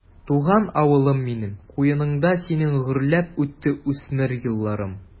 Туган авылым минем, куеныңда синең гөрләп үтте үсмер елларым.